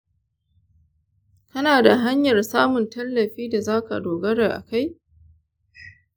kana da hanyar samun tallafi da za ka dogara a kai?